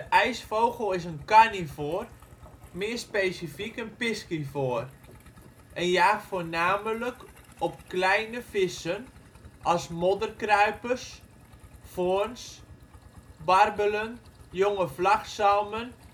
ijsvogel is een carnivoor, meer specifiek een piscivoor, en jaagt voornamelijk op kleine vissen als modderkruipers, voorns, barbelen, jonge vlagzalmen